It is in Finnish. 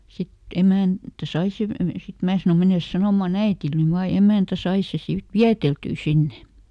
sitten emäntä sai sen - sitten minä sanoin mene sanomaan äidille nyt vain ja emäntä sai sen sitten vieteltyä sinne